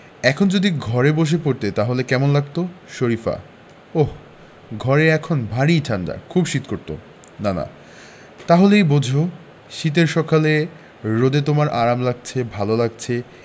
এখন যদি ঘরে বসে পড়তে তাহলে কেমন লাগত শরিফা ওহ ঘরে এখন ভারি ঠাণ্ডা খুব শীত করত নানা তা হলেই বোঝ শীতের সকালে রোদে তোমার আরাম লাগছে ভালো লাগছে